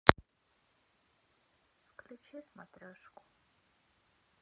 включи смотрешку